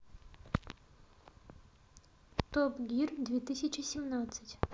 топ гир две тысячи семнадцать